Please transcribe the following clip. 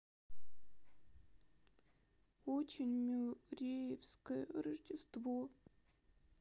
очень мюрреевское рождество